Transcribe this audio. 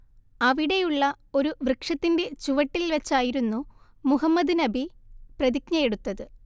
അവിടെയുള്ള ഒരു വൃക്ഷത്തിന്റെ ചുവട്ടിൽ വെച്ചായിരുന്നു മുഹമ്മദ് നബി പ്രതിജ്ഞയെടുത്തത്